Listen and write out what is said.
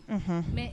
Unhunɔn mais